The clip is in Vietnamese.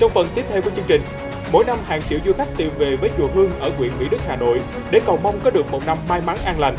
trong phần tiếp theo của chương trình mỗi năm hàng triệu du khách tìm về với chùa hương ở huyện mỹ đức hà nội để cầu mong có được một năm may mắn an lành